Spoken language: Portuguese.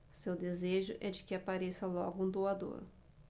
seu desejo é de que apareça logo um doador